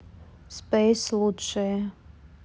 space лучшее